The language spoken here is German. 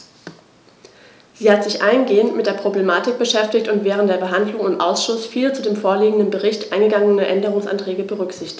Sie hat sich eingehend mit der Problematik beschäftigt und während der Behandlung im Ausschuss viele zu dem vorliegenden Bericht eingegangene Änderungsanträge berücksichtigt.